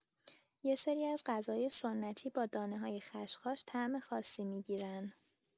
یه سری از غذاهای سنتی با دانه‌های خشخاش طعم خاصی می‌گیرن.